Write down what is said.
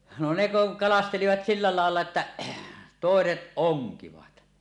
no ne kun kalastelivat sillä lailla että toiset onkivat